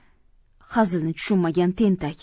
hazilni tushunmagan tentak